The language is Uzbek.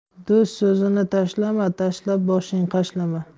do'st so'zini tashlama tashlab boshing qashlama